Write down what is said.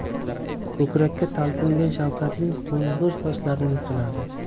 ko'krakka talpingan shavkatning qo'ng'ir sochlarini siladi